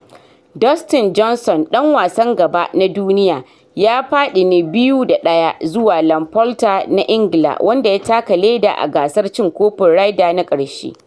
Dustin Johnson, dan wasan gaba na duniya, ya fadi ne 2 da 1 zuwa Ian Poulter na Ingila wanda ya taka leda a gasar cin kofin Ryder na karshe.